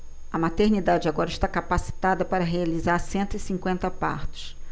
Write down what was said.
a maternidade agora está capacitada para realizar cento e cinquenta partos